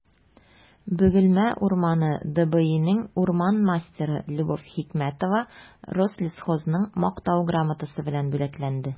«бөгелмә урманы» дбинең урман мастеры любовь хикмәтова рослесхозның мактау грамотасы белән бүләкләнде